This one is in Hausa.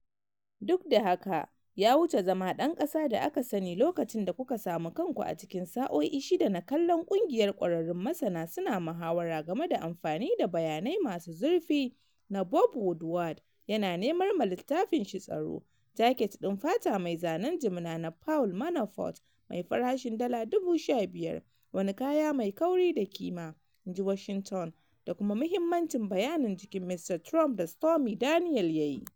"Duk da haka, ya wuce zama ɗan ƙasa da aka sani lokacin da kuka sami kanku a cikin sa'o'i shida na kallon ƙungiyar ƙwararrun masana suna muhawara game da amfani da “bayanai masu zurfi” na Bob Woodward yana nemar ma littafin shi “Tsoro,” Jaket ɗin fata mai zanen jimina na Paul Manafort mai farashin dala 15,000 (“wani kaya mai kauri da kima,” in ji Washington) da kuma muhimmancin bayanin jikin Mr Trump da Stormy Daniel ya yi.